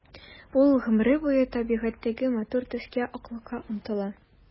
Ул гомере буе табигатьтәге матур төскә— аклыкка омтыла.